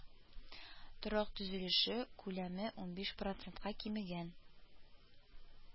Торак төзелеше күләме унбиш процентка кимегән